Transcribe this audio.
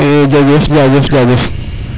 e jajef jajef